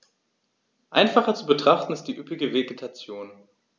Einfacher zu betrachten ist die üppige Vegetation.